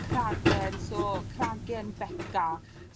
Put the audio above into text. cragen so cragen Beca.